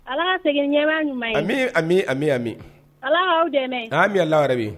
Ala ka segin ni ɲɛmaa ɲuman ye. Ami! ami! Ala K'aw dɛmɛ. Ami! Allahou rabi .